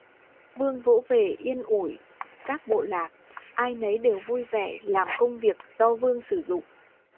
vương vỗ về yên ủi các bộ lạc ai nấy đều vui vẻ làm công việc do vương sử dụng